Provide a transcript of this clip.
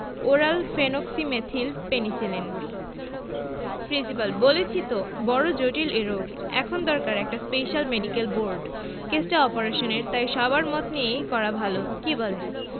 oral phenoxymethyl penicillin principal বলেছি তো বড় জটিল এ রোগ এখন দরকার একটা স্পেশাল মেডিকেল বোর্ড কেসটা অপারেশনের তাই সবার মত নিয়েই করা ভালো কি বলেন